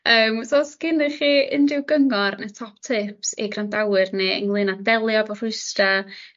Yym so o's gennych chi unrhyw gyngor ne' top tips i grandawyr ni ynglŷn â delio efo rhwystra'